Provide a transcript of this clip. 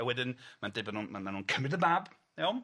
A wedyn ma'n deud bo' nw ma' ma' nw'n cymryd y mab, iawn?